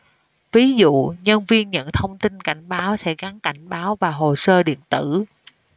ví dụ nhân viên nhận thông tin cảnh báo sẽ gắn cảnh báo vào hồ sơ điện tử